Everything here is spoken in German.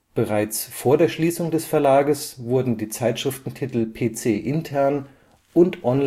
Bereits vor der Schließung des Verlages wurden die Zeitschriftentitel PC Intern (von